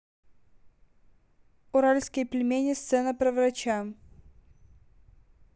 уральские пельмени сцена про врача